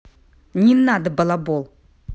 не надо балабол